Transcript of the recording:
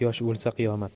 yosh o'lsa qiyomat